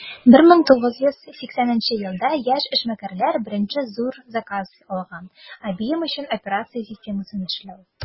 1980 елда яшь эшмәкәрләр беренче зур заказ алган - ibm өчен операция системасын эшләү.